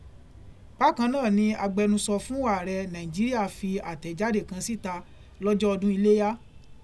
Bákan náà ni agbẹnusọ fún ààrẹ Nàìjíríà fi àtẹ̀jáde kan síta lọ́jọ́ ọdún Iléyá.